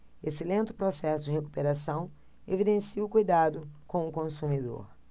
este lento processo de recuperação evidencia o cuidado com o consumidor